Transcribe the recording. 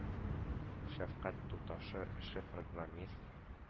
Шәфкать туташы эше, программист